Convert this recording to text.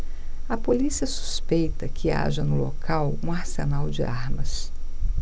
a polícia suspeita que haja no local um arsenal de armas